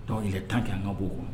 Dɔw yɛrɛ tan kɛ an ka b'o kɔ